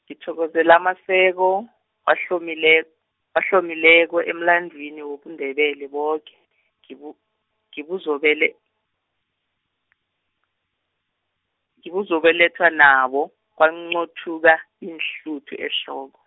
ngithokozela Maseko, wahlomilek- wahlomileko emlandwini wobuNdebele boke, ngibu-, ngibuzobele-, ngibuzobelethwa nabo, kwanqothuka iinhluthu ehloko.